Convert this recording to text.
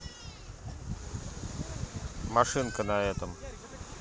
машинка на этом